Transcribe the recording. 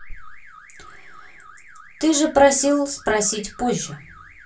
ты же просил спросить позже